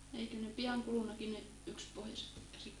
eikö ne pian kulunutkin ne yksipohjaiset